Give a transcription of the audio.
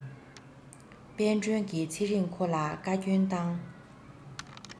དཔལ སྒྲོན གྱི ཚེ རིང ཁོ ལ བཀའ བསྐྱོན བཏང